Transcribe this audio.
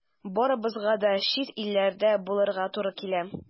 Барыбызга да чит илләрдә булырга туры килә.